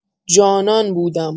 جانان بودم